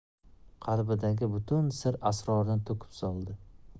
qalbidagi butun sir asrorini to'kib soldi